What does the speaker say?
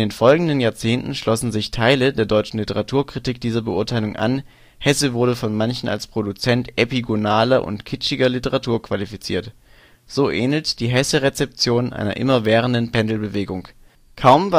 folgenden Jahrzehnten schlossen sich Teile der deutschen Literaturkritik dieser Beurteilung an, Hesse wurde von manchen als Produzent epigonaler und kitschiger Literatur qualifiziert. So ähnelt die Hesse-Rezeption einer immerwährenden Pendelbewegung: Kaum